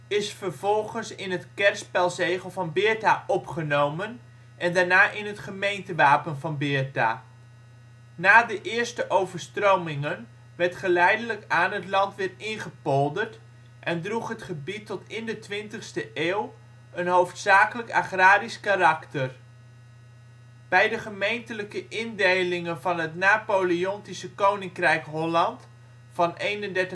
is vervolgens in het kerspelzegel van Beerta opgenomen en daarna in het gemeentewapen van Beerta. Na de eerste overstromingen werd geleidelijk aan het land weer ingepolderd en droeg het gebied tot in de twintigste eeuw een hoofdzakelijk agrarisch karakter. Bij de gemeentelijke indelingen van het napoleontische Koninkrijk Holland van 31 mei 1808